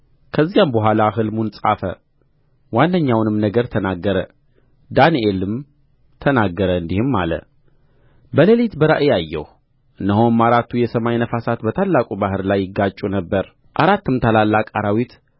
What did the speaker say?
ከዚያም በኋላ ሕልሙን ጻፈ ዋነኛውንም ነገር ተናገረ ዳንኤልም ተናገረ እንዲህም አለ በሌሊት በራእይ አየሁ እነሆም አራቱ የሰማይ ነፋሳት በታላቁ ባሕር ላይ ይጋጩ ነበር አራትም ታላላቅ አራዊት